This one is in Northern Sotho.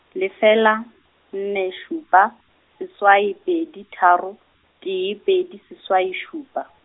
lefela, nne šupa, seswai pedi tharo, tee pedi seswai šupa.